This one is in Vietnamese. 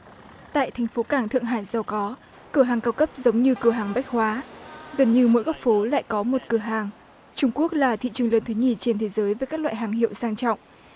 tại thành phố cảng thượng hải giàu có cửa hàng cao cấp giống như cửa hàng bách hóa gần như mỗi góc phố lại có một cửa hàng trung quốc là thị trường lớn thứ nhì trên thế giới với các loại hàng hiệu sang trọng